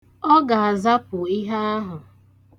Ọ ga-azapụ ihe ahụ.